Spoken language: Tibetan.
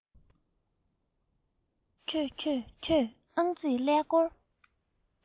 ཁྱོད ཁྱོད ཁྱོད ཨང རྩིས ཀླད ཀོར